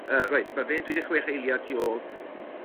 Yy reit ma' fe'n dri deg chwech eiliad tu ôl.